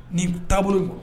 Nin b taabolo n